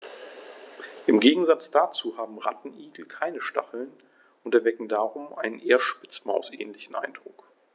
Im Gegensatz dazu haben Rattenigel keine Stacheln und erwecken darum einen eher Spitzmaus-ähnlichen Eindruck.